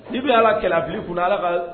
N bɛ Ala kɛlɛ, a bila i kunna Ala ka